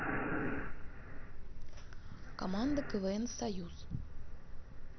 команда квн союз